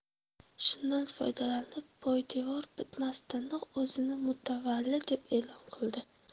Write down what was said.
shundan foydalanib poydevor bitmasidanoq o'zini mutavalli deb e'lon qildi